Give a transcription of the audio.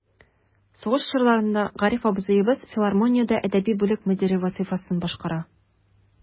Сугыш чорында Гариф абзыебыз филармониядә әдәби бүлек мөдире вазыйфасын башкара.